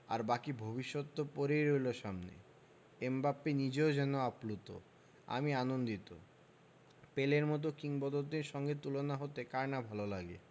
আর বাকি ভবিষ্যৎ তো পড়েই রইল সামনে এমবাপ্পে নিজেও যেন আপ্লুত আমি আনন্দিত পেলের মতো কিংবদন্তির সঙ্গে তুলনা হতে কার না ভালো লাগে